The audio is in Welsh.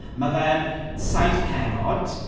Mae fe'n saith pennod.